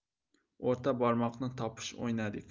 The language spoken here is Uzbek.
o'rta barmoqni topish o'ynadik